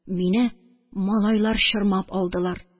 Мине малайлар чормап алдылар.